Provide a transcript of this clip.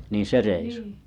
niin se reissu